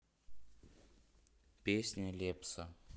песня лепса